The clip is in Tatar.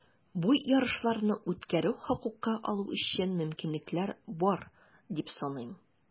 Бу ярышларны үткәрү хокукы алу өчен мөмкинлекләр бар, дип саныйм.